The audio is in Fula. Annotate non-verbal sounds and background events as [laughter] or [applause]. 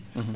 [hesitation] [hesitation]